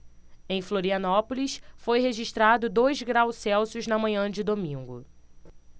em florianópolis foi registrado dois graus celsius na manhã de domingo